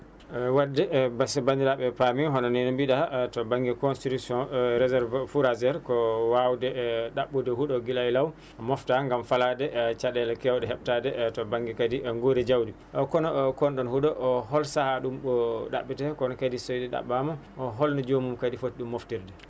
wadde mbiɗa sikki bandiraɓe paami hono ni no mbiɗa to banŋnge construction réserve fourragère ko wawde ɗaɓɓude huuɗo giila e laaw mofta gam falade caɗele kawɗe hebtade to banŋnge kadi e guuri jawɗi kono kon ɗon huuɗo hol saaha mo ɗaɓɓete kono kadi so ndi ɗaɓɓama holno joomum kadi footi ɗum moftirde